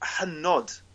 hynod